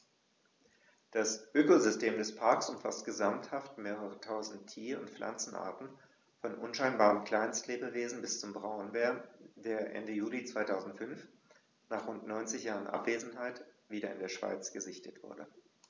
Das Ökosystem des Parks umfasst gesamthaft mehrere tausend Tier- und Pflanzenarten, von unscheinbaren Kleinstlebewesen bis zum Braunbär, der Ende Juli 2005, nach rund 90 Jahren Abwesenheit, wieder in der Schweiz gesichtet wurde.